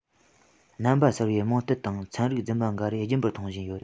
རྣམ པ གསར པའི རྨོངས དད དང ཚན རིག རྫུན མ འགའ རེ རྒྱུན པར ཐོན བཞིན ཡོད